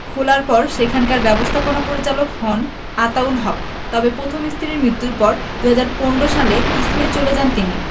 খোলার পর সেখানকার ব্যবস্থাপনা পরিচালক হন আতাউল হক তবে প্রথম স্ত্রীর মৃত্যুর পর ২০১৫ সালে স্পেনে চলে যান তিনি